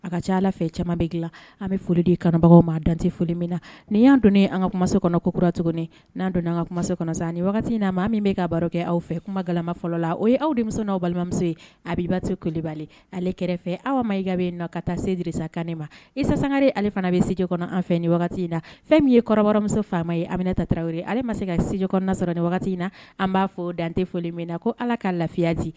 A ka ca ala fɛ caman bɛ dilan an bɛ foli di kanubagaw maa dante foli min na nin y' don an ka kumaso kɔnɔ kokura tuguni n'an don an ka kumase kɔnɔ sa ni wagati in na maa min bɛ ka baro kɛ aw fɛ kuma galama fɔlɔ la o ye aw demi' aw balimamuso ye a b'ibato ku bali ale kɛrɛfɛ aw ma i ka bɛ na ka taa sedrisa kan ma isa sanga ale fana bɛ s kɔnɔ an fɛ ni wagati in na fɛn min ye kɔrɔmuso faama ye amina ta tarawele ye ale ma se ka sdi kɔnɔnasɔrɔ ni wagati in na an b'a fɔ dante foli min na ko ala ka lafiya di